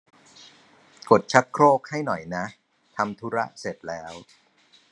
กดชักโครกให้หน่อยนะทำธุระเสร็จแล้ว